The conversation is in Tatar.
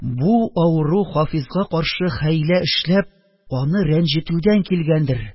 Бу авыру Хафизга каршы хәйлә эшләп, аны рәнҗетүдән килгәндер,